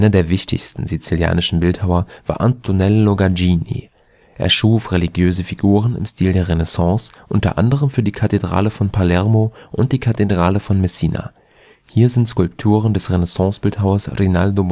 der wichtigsten sizilianischen Bildhauer war Antonello Gagini. Er schuf religiöse Figuren im Stil der Renaissance, unter anderem für die Kathedrale von Palermo und die Kathedrale von Messina. Hier sind Skulpturen des Renaissancebildhauers Rinaldo